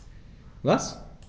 Was?